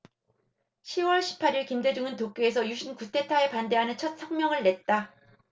시 월 십 팔 일 김대중은 도쿄에서 유신 쿠데타에 반대하는 첫 성명을 냈다